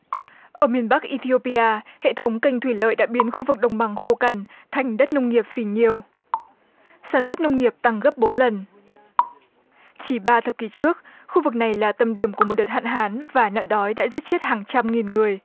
ở miền bắc i thi ô bi a hệ thống kênh thủy lợi đã biến khu vực đồng bằng khô cằn thành đất nông nghiệp phì nhiêu sản xuất nông nghiệp tăng gấp bốn lần chỉ ba thập kỷ trước khu vực này là tâm điểm của một đợt hạn hán và nạn đói đã giết chết hàng trăm nghìn người